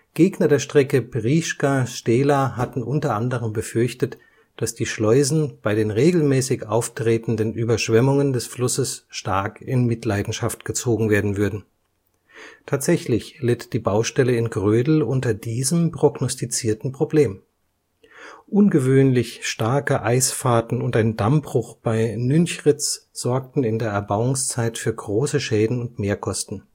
Gegner der Strecke Prieschka – Stehla hatten unter anderem befürchtet, dass die Schleusen bei den regelmäßig auftretenden Überschwemmungen des Flusses stark in Mitleidenschaft gezogen werden würden. Tatsächlich litt die Baustelle in Grödel unter diesem prognostizierten Problem. Ungewöhnlich starke Eisfahrten und ein Dammbruch bei Nünchritz sorgten in der Erbauungszeit für große Schäden und Mehrkosten